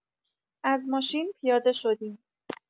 از ماشین پیاده شدیم.